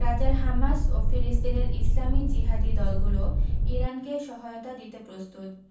গাজার হামাস ও ফিলিস্তিনের ইসলামি জিহাদি দলগুলোও ইরানকে সহায়তা দিতে প্রস্তুত